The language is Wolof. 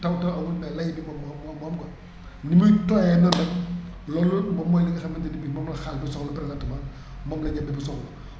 taw taw amul mais lay bi moom moo moo am quoi ni muy tooyee noonu nag loolu moom mooy li nga xamante ne bii moom la xaal bi soxla présentement moom la ñébe bi soxla